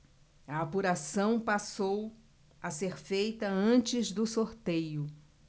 a apuração passou a ser feita antes do sorteio